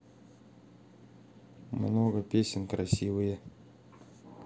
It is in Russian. много песен красивые